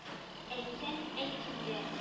— әйтсәң әйт инде